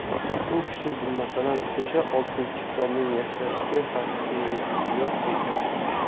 u kishi bilmasalar o'sha oltinchi kitobning yashashga haqqi yo'q ekan